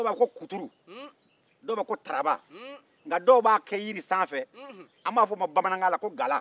dɔw ko a ma ko kuturu dɔ ko taraba nka dɔw b'a kɛ jiri sanfɛ an b'a fɔ o ma bamanankan na ko gala